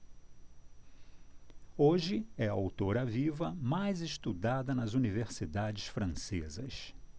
hoje é a autora viva mais estudada nas universidades francesas